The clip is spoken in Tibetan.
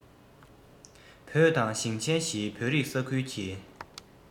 བོད དང ཞིང ཆེན བཞིའི བོད རིགས ས ཁུལ གྱི